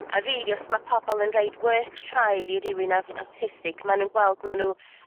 A rili os ma' pobol yn roid work trial i rywun af- awtistig ma' nw'n gweld ma' n'w